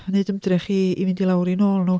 wneud ymdrech i i fynd i lawr i nôl nhw.